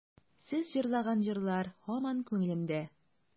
Сез җырлаган җырлар һаман күңелемдә.